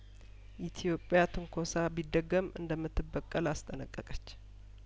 ኢትዮጵያ ትንኮሳ ቢደገም እንደምት በቀል አስጠነቀቀች